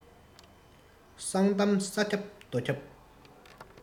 གསང གཏམ ས ཁྱབ རྡོ ཁྱབ